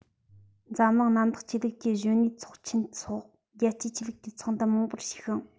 འཛམ གླིང གནམ བདག ཆོས ལུགས ཀྱི གཞོན ནུའི ཚོགས ཆེན སོགས རྒྱལ སྤྱིའི ཆོས ལུགས ཀྱི ཚོགས འདུ མང པོར ཞུགས ཤིང